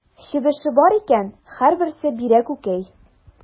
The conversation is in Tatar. Чебеше бар икән, һәрберсе бирә күкәй.